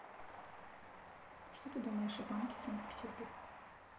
что ты думаешь о банке санкт петербург